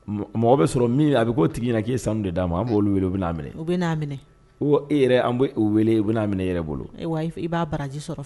Mɔgɔ bɛ sɔrɔ min a bɛ ko tigi ɲɛna k'i ye sanu de d'a ma an b'o weele u bɛ n'a minɛ, o bɛ n'a minɛ e yɛrɛ bolo, an b'u weele u bɛ n'a minɛ e yɛrɛ bolo wa i b'a baraji sɔrɔ